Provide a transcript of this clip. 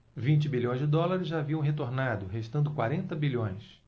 vinte bilhões de dólares já teriam retornado restando quarenta bilhões